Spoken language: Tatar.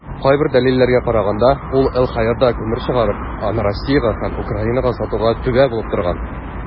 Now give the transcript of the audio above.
Кайбер дәлилләргә караганда, ул ЛХРда күмер чыгарып, аны Россиягә һәм Украинага сатуга "түбә" булып торган.